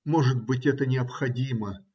Может быть, это необходимо